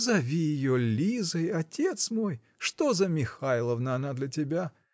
-- Зови ее Лизой, отец мой, что за Михайловна она для тебя?